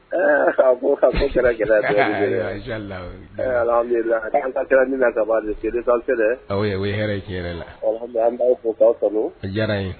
Aa ka min na ka aw o la an b'a fɔ k'a kɔnɔ diyara ye